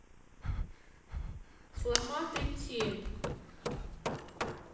сломатый телек